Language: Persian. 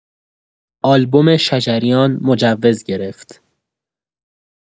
آلبوم شجریان مجوز گرفت.